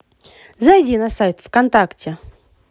зайди на сайт вконтакте